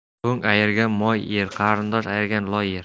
to'ng ayirgan moy yer qarindosh ayirgan loy yer